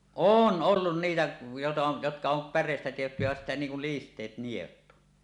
on ollut niitä jota jotka on päreistä tehty ja sitten niin kun listeet nielut